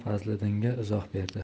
fazliddinga izoh berdi